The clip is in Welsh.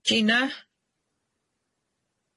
Gina?